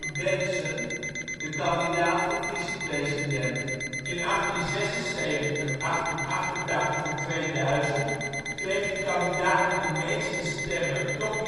Bentsen, de kandidaat voor vice-president. Ook in 1876 en 1888 kreeg de kandidaat met de minste stemmen toch